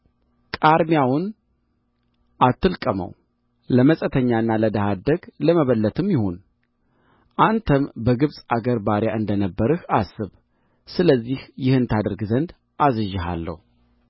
ቃርሚያውን አትልቀመው ለመጻተኛና ለድሀ አደግ ለመበለትም ይሁን አንተም በግብፅ አገር ባሪያ እንደ ነበርህ አስብ ስለዚህ ይህን ታደርግ ዘንድ አዝዤሃለሁ